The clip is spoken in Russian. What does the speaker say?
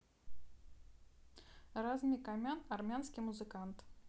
razmik amyan армянский музыкант